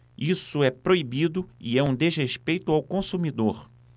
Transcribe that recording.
isso é proibido e é um desrespeito ao consumidor